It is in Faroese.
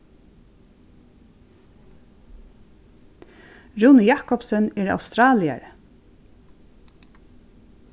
rúni jacobsen er australiari